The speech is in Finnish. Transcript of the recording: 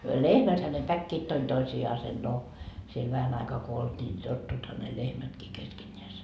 lehmäthän ne päkkivät toinen toisiaan no siellä vähän aikaa kun oltiin niin tottuivathan ne lehmätkin keskenään